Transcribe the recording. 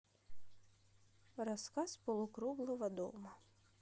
рассказ полукруглого дома